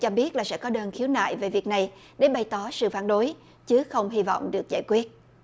cho biết là sẽ có đơn khiếu nại về việc này để bày tỏ sự phản đối chứ không hi vọng được giải quyết